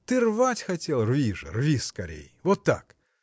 ты рвать хотел: рви же, рви скорей! вот так!